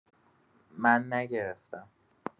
من نگرفتم